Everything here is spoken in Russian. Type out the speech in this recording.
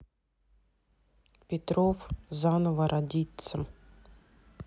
петров заново родиться